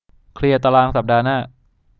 เคลียร์ตารางสัปดาห์หน้า